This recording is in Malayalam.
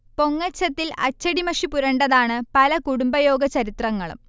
പൊങ്ങച്ചത്തിൽ അച്ചടിമഷി പുരണ്ടതാണ് പല കുടുംബയോഗ ചരിത്രങ്ങളും